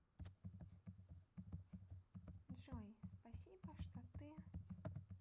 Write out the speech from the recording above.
джой спасибо что ты